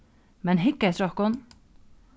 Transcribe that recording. men hygg eftir okkum